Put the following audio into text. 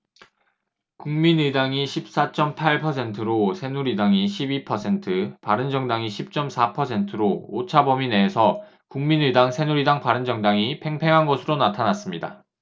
국민의당이 십 사 쩜 팔 퍼센트로 새누리당이 십 이 퍼센트 바른정당이 십 쩜 사 퍼센트로 오차범위 내에서 국민의당 새누리당 바른정당이 팽팽한 것으로 나타났습니다